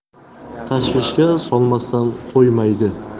tashvishga solmasdan qo'ymaydi